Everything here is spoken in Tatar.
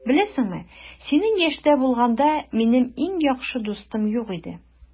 Беләсеңме, синең яшьтә булганда, минем иң яхшы дустым юк иде.